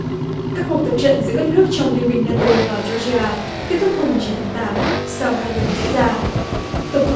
các cuộc tập trận giữa các nước trong liên minh na tô và gio ri a kết thúc hôm mùng chín tháng tám sau hai tuần diễn ra tổng thống